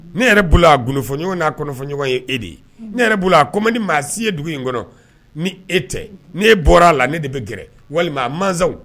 Ne yɛrɛ bolo a gindofɔɲɔgɔn n'a kɔnɔfɔɲɔgɔn ye e de ye, ne yɛrɛ bolo a ko man di maa si ye dugu in kɔnɔ ni e tɛ, ni e bɔr'a la ne de bɛ gɛrɛ walima mansaw